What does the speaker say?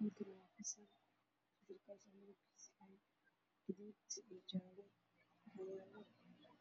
Meeshaan waxaa ka muuqdo loo gabdhood oo